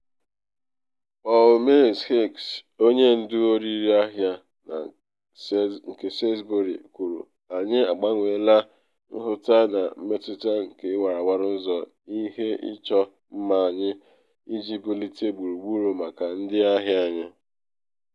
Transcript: Paul Mills-Hicks, onye ndu ọrịre ahịa nke Sainsbury, kwuru: “Anyị agbanweela nhụta na mmetụta nke warawara ụzọ ihe ịchọ mma anyị iji bulite gburugburu maka ndị ahịa anyị.